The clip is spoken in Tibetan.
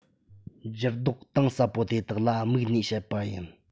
འགྱུར ལྡོག གཏིང ཟབ པོ དེ དག ལ དམིགས ནས བཤད པ ཡིན